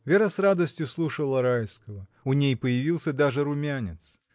Вера с радостью слушала Райского; у ней появился даже румянец.